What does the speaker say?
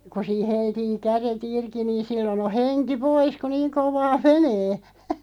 kun siinä heltiää kädet irti niin silloin on henki pois kun niin kovaa menee